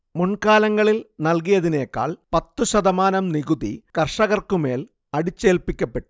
മുൻകാലങ്ങളിൽ നൽകിയതിനേക്കാൾ പത്തുശതമാനം നികുതി കർഷകർക്കുമേൽ അടിച്ചേൽപ്പിക്കപ്പെട്ടു